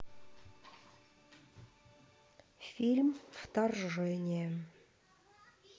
фильм вторжение